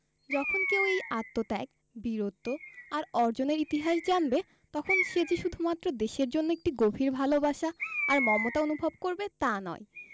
যখন কেউ এই আত্মত্যাগ বীরত্ব আর অর্জনের ইতিহাস জানবে তখন সে যে শুধুমাত্র দেশের জন্যে একটি গভীর ভালোবাসা আর মমতা অনুভব করবে তা নয়